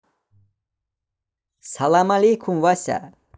салам алейкум вася